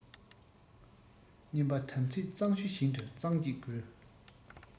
གཉིས པ དམ ཚིག གཙང ཆུ བཞིན དུ གཙང གཅིག དགོས